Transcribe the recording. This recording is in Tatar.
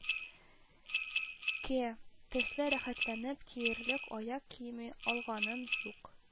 Ке төсле рәхәтләнеп киярлек аяк киеме алганың юк